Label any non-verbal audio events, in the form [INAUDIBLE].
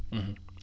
[HESITATION] [HESITATION]